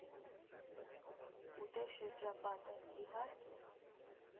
Ու, դե՜, շրջապատը, իհարկե՛։